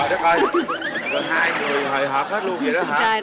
trời đất ơi rồi hai người hời hợt hết luôn vậy đó hả